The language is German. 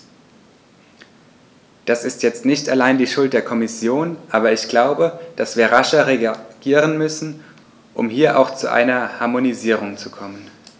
Das ist jetzt nicht allein die Schuld der Kommission, aber ich glaube, dass wir rascher reagieren müssen, um hier auch zu einer Harmonisierung zu kommen.